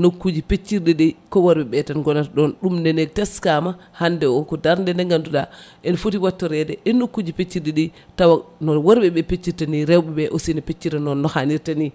nokkuji peccirɗi ɗi ko worɓeɓe tan gonata ɗon ɗum nene teskama hande o ko darde nde ganduɗa ene foti wattorede nokkuji peccirɗi ɗi tawa no worɓeɓe peccirta ni rewɓeɓe aussi ne peccira noon no hannirta ni